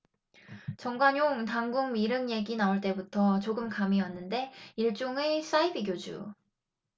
정관용 단군 미륵 얘기 나올 때부터 조금 감이 왔는데 일종의 사이비교주